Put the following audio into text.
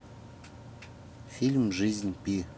фильм жизнь пи